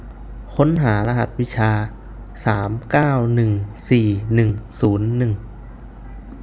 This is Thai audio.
ค้นหารหัสวิชาสามเก้าหนึ่งสี่หนึ่งศูนย์หนึ่ง